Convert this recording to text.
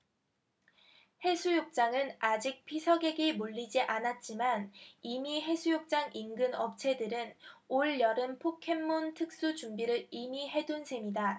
해수욕장은 아직 피서객이 몰리지 않았지만 이미 해수욕장 인근 업체들은 올 여름 포켓몬 특수 준비를 이미 해둔 셈이다